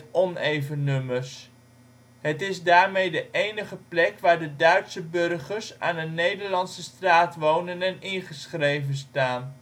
oneven nummers. Het is daarmee de enige plek waar Duitse burgers aan een Nederlandse straat wonen en ingeschreven staan